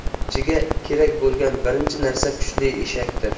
tarixchiga kerak bo'lgan birinchi narsa kuchli eshakdir